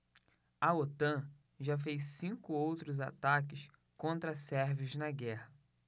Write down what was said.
a otan já fez cinco outros ataques contra sérvios na guerra